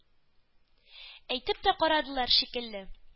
Әйтеп тә карадылар шикелле,